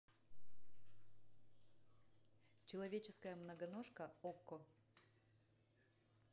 человеческая многоножка окко